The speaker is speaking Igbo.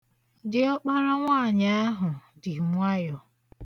Diọkpara nwaanyị ahụ di nwayọ.